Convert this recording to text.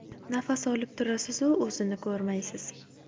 nafas olib turasizu o'zini ko'rmaysiz